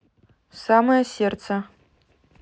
в самое сердце